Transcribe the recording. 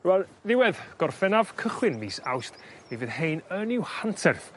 Rŵan ddiwedd Gorffennaf cychwyn mis Awst fe fy' rhein yn i'w hanterth